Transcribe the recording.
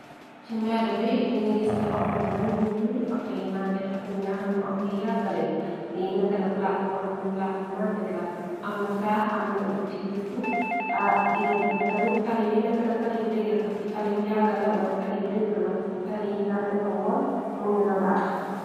ci mbedd bi dinga gis ne outo yi bari ñu fi outo yi magget outo yi ngaxamne outo yi yaggaleñ li nekkna plaas bu xamne plaas bu maget la amna kaax amna ibbitik ci suuf ah dinga gis ne tamit tali bi nekkna tali bu degër faski tali bu yaggala waaye tali bi degar la faski tali yiñ daan defar woon mungi na baax.